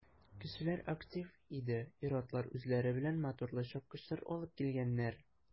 Кешеләр актив иде, ир-атлар үзләре белән моторлы чапкычлар алыпн килгәннәр.